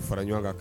Fara ɲɔgɔn kan